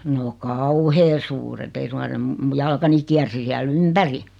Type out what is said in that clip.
no kauhean suuret ei suinkaan se - minun jalkani kiersi siellä ympäri